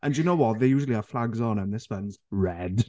And do you know what, they usually have flags on them, and this one's red.